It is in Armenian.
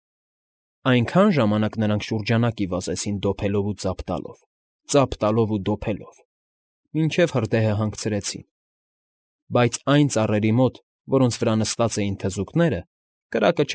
Այնքան ժամանակ նրանք շուրջանակի վազեցին դոփելով ու ծափ տալով, ծափ տալով ու դոփելով, մինչև հրդեհը հանգցրեցին, բայց այն ծառերի մոտ, որոնց վրա նստած էին թզուկները, կրակը։